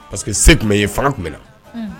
:Parce que _se tun b'e ye fanga tun b'e la.